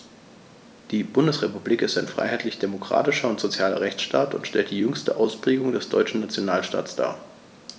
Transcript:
Die Bundesrepublik ist ein freiheitlich-demokratischer und sozialer Rechtsstaat und stellt die jüngste Ausprägung des deutschen Nationalstaates dar.